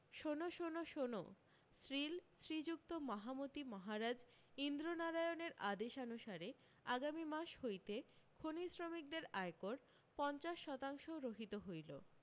শোনো শোনো শোনো শ্রীল শ্রী্যুক্ত মহামতি মহারাজ ইন্দ্রনারায়ণের আদেশানুসারে আগামী মাস হইতে খনিশ্রমিকদের আয়কর পঞ্চাশ শতাংশ রহিত হৈল